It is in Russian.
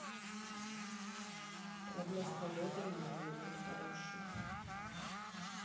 прогноз погоды на новый год хороший